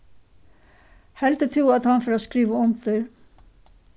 heldur tú at hann fer at skriva undir